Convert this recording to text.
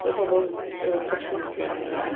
Efo pobl sydd, efo perchnogion nhw, ia.